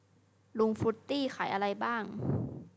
ลุงฟรุตตี้ขายอะไรบ้าง